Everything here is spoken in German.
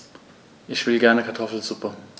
Ich will gerne Kartoffelsuppe.